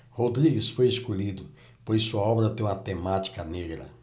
rodrigues foi escolhido pois sua obra tem uma temática negra